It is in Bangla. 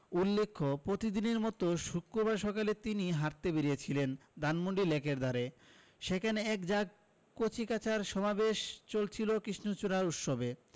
উল্লেখ্য প্রতিদিনের মতো শুক্রবার সকালে তিনি হাঁটতে বেরিয়েছিলেন ধানমন্ডি লেকের ধারে সেখানে এক ঝাঁক কচিকাঁচার সমাবেশ চলছিল কৃষ্ণচূড়া উৎসবে